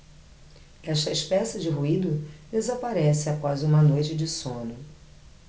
esta espécie de ruído desaparece após uma noite de sono